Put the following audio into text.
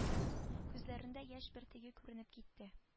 Күзләрендә яшь бөртеге күренеп китте